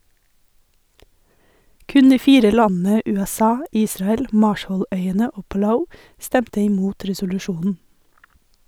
Kun de fire landene USA, Israel, Marshalløyene og Palau stemte imot resolusjonen.